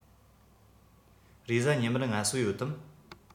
རེས གཟའ ཉི མར ངལ གསོ ཡོད དམ